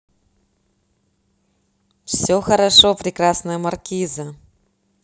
все хорошо прекрасная маркиза